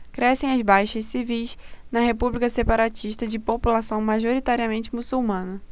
crescem as baixas civis na república separatista de população majoritariamente muçulmana